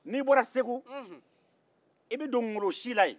n'i bɔra segu i bɛ don golo siw la yen